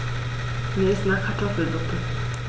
Mir ist nach Kartoffelsuppe.